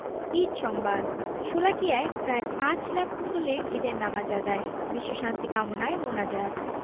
ঈদ সংবাদ শোলাকিয়ায় প্রায় পাঁচ লাখ মুসল্লির ঈদের নামাজ আদায় বিশ্বশান্তি কামনায় মোনাজাত